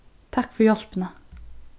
takk fyri hjálpina